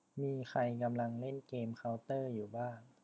มีใครกำลังเล่นเกมเค้าเตอร์อยู่บ้าง